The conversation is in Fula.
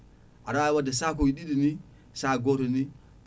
aɗa wawi wadde sakuji ɗiɗi ni sac goto ni